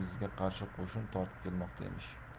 bizga qarshi qo'shin tortib kelmoqda emish